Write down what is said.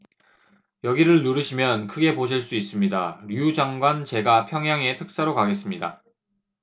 여기를 누르시면 크게 보실 수 있습니다 류 장관 제가 평양에 특사로 가겠습니다